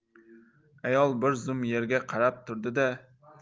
ayol bir zum yerga qarab turdi da